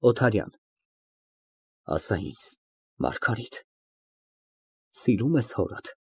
ՕԹԱՐՅԱՆ ֊ Ասա ինձ, Մարգարիտ, սիրո՞ւմ ես հորդ։